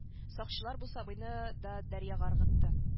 Сакчылар бу сабыйны да дәрьяга ыргытты